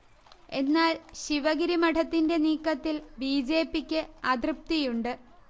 എന്നാൽ ശിവഗിരി മഠത്തിന്റെ നീക്കത്തിൽ ബി. ജെ. പിക്ക് അതൃപ്തിയുണ്ട്